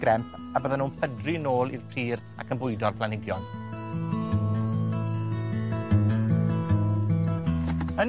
gremp, a fydden nhw'n pydru nôl i'r pridd, ac yn bwydo'r planhigion. Yn